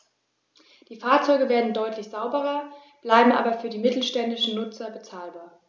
Die Fahrzeuge werden deutlich sauberer, bleiben aber für die mittelständischen Nutzer bezahlbar.